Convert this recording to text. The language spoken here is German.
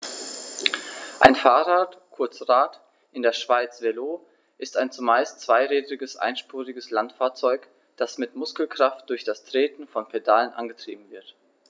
Ein Fahrrad, kurz Rad, in der Schweiz Velo, ist ein zumeist zweirädriges einspuriges Landfahrzeug, das mit Muskelkraft durch das Treten von Pedalen angetrieben wird.